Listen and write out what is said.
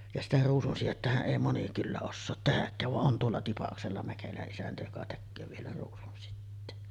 ja sitä ruusunsidettähän ei moni kyllä osaat tehdäkään vaan on tuolla Tipaksella Mäkelän isäntä joka tekee vielä ruusunsiteen